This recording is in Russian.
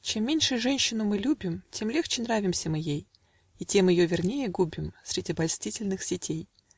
Чем меньше женщину мы любим, Тем легче нравимся мы ей И тем ее вернее губим Средь обольстительных сетей.